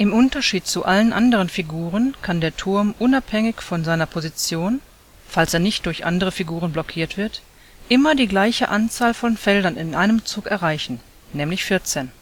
Unterschied zu allen anderen Figuren kann der Turm unabhängig von seiner Position (falls er nicht durch andere Figuren blockiert wird) immer die gleiche Anzahl von Feldern in einem Zug erreichen, nämlich 14.